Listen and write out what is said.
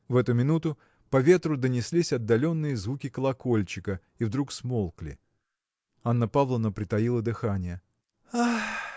В эту минуту по ветру донеслись отдаленные звуки колокольчика и вдруг смолкли. Анна Павловна притаила дыхание. – Ах!